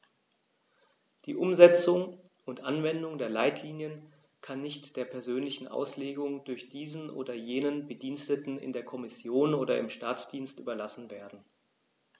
Die Umsetzung und Anwendung der Leitlinien kann nicht der persönlichen Auslegung durch diesen oder jenen Bediensteten in der Kommission oder im Staatsdienst überlassen werden.